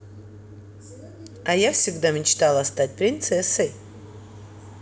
а я всегда мечтала стать принцессой